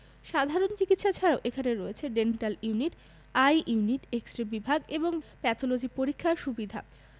সাধারণ চিকিৎসা ছাড়াও এখানে রয়েছে dental unit eye unit X ray বিভাগ এবং প্যাথলজিক্যাল পরীক্ষার সুবিধা